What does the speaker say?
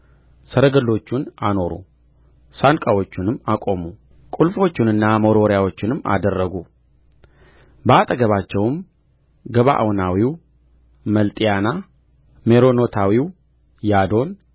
ሰረገሎቹን አኖሩ ሳንቃዎቹንም አቆሙ ቍልፎቹንና መወርወሪያዎቹንም አደረጉ በአጠገባቸውም ገባዖናዊው መልጥያና ሜሮኖታዊው ያዶን